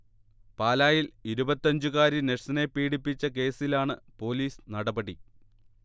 പാലായിൽ ഇരുപത്തഞ്ചുകാരി നഴ്സിനെ പീഡിപ്പിച്ച കേസിലാണ് പോലീസ് നടപടി